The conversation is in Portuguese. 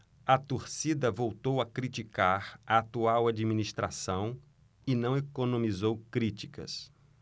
a torcida voltou a criticar a atual administração e não economizou críticas